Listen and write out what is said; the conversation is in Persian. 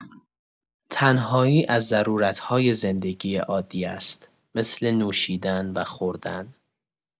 تنهایی از ضرورت‌های زندگی عادی است، مثل نوشیدن و خوردن!